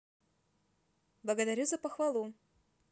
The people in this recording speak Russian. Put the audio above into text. благодарю за похвалу